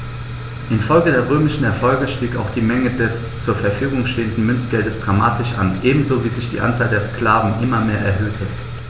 Infolge der römischen Erfolge stieg auch die Menge des zur Verfügung stehenden Münzgeldes dramatisch an, ebenso wie sich die Anzahl der Sklaven immer mehr erhöhte.